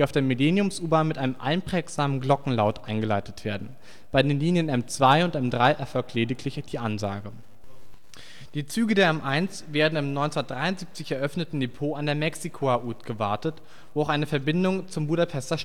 der Millenniums-U-Bahn mit einem einprägsamen Glockenlaut eingeleitet werden. Bei den Linien M2 und M3 erfolgt lediglich die Ansage. Jingle, Stationsansage (Vörösmarty utca) und Abfertigungssignal in der Millenniums-U-BahnHilfe Die Züge der M1 werden im 1973 eröffneten Depot an der Mexikói út gewartet, wo auch eine Verbindung zum Budapester